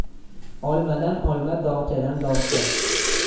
olmadan olma dovchadan dovcha